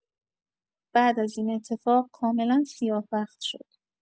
بعد از این اتفاق، کاملا سیاه‌بخت شد.